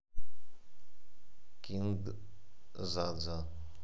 киндзадза